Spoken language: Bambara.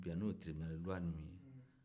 n'o ye tiribinali loi ninnu ye